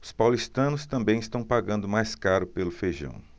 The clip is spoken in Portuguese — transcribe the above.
os paulistanos também estão pagando mais caro pelo feijão